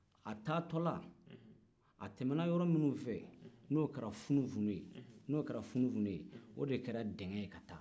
a taatɔ la a tɛmɛna yɔrɔ minnu fɛ n'o kɛra funufunu ye o de kɛra dingɛ ye ka taa